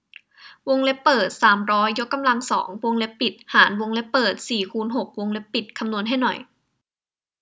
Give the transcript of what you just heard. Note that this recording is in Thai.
วงเล็บเปิดสามร้อยยกกำลังสองวงเล็บปิดหารวงเล็บเปิดสี่คูณหกวงเล็บปิดคำนวณให้หน่อย